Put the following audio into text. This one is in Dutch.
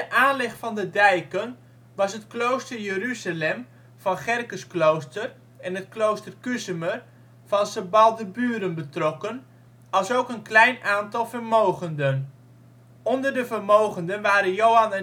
aanleg van de dijken was het klooster Jeruzalem van Gerkesklooster en het klooster Kuzemer van Sebaldeburen betrokken, alsook een klein aantal vermogenden. Onder de vermogenden waren Johan